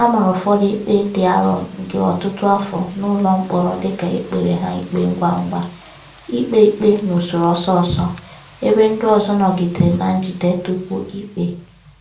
a mara ụfọdụ ikpe dị arọ nke ọtụtụ afọ n'ụlọmkpọrọ dịka e kpere ha ikpe ngwa ngwa ikpe ikpe n'usoro ọsọọsọ, ebe ndị ọzọ nọgidere na njide tupu ikpe".